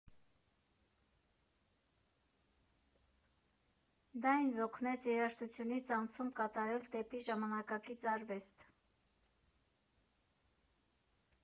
Դա ինձ օգնեց երաժշտությունից անցում կատարել դեպի ժամանակակից արվեստ»։